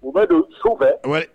U bɛ don so bɛɛ anri